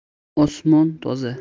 osmon toza